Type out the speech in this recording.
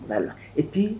belle, et puis